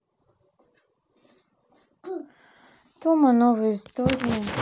тома новые серии